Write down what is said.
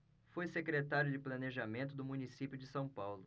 foi secretário de planejamento do município de são paulo